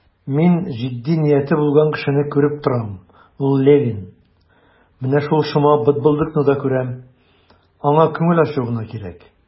Мин җитди нияте булган кешене күреп торам, ул Левин; менә шул шома бытбылдыкны да күрәм, аңа күңел ачу гына кирәк.